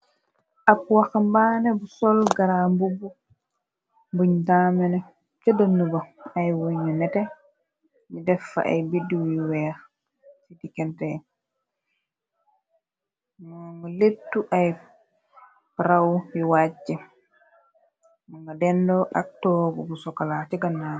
ab waxambaane bu sol garaambubu buñ daamene cë dënn ba ay wunu nete di defa ay biddu yu weex ci dikantee moo nga lettu ay raw yu wàjc mnga dend ak toobu bu sokola ci gannaaw